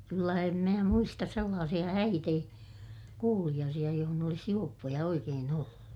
kyllä en minä muista sellaisia häitä ei kuuliaisia jossa olisi juoppoja oikein ollut